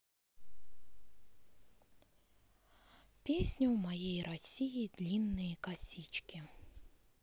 песня у моей россии длинные косички